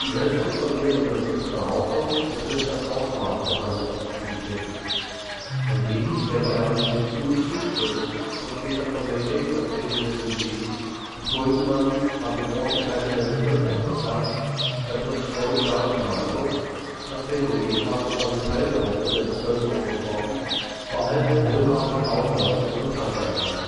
erste von ihr untersuchte Behauptung betrifft das Ausmaß der Handelsaktivitäten. Entgegen der bereits in den frühen Flugschriften und später von Mackay vertretenen Idee, die Tulpenmanie habe große Teile der Bevölkerung erfasst, vertritt Goldgar die Meinung, das Phänomen habe nur eine kleine Gruppe der Bevölkerung betroffen, vor allem wohlhabende Kaufleute und Handwerker